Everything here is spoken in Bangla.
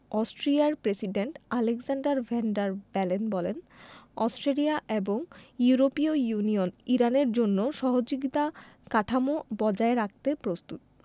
অস্ট্রিয়ার president Alexander Van der Bellen বলেন অস্ট্রিয়া এবং ইউরোপীয় ইউনিয়ন ইরানের জন্য সহযোগিতা কাঠামো বজায় রাখতে প্রস্তুত